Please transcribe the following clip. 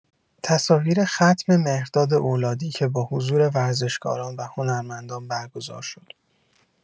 تصاویر ختم مهرداد اولادی که با حضور ورزشکاران و هنرمندان برگزار شد